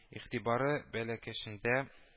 Игътибары бәләкәчендә